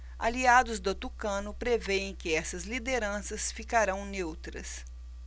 aliados do tucano prevêem que essas lideranças ficarão neutras